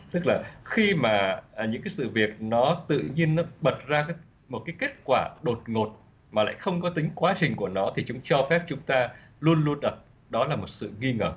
tức là khi mà những cái sự việc nó tự nhiên nó bật ra cái một cái kết quả đột ngột mà lại không có tính quá trình của nó thì chúng cho phép chúng ta luôn luôn đặt đó là một sự nghi ngờ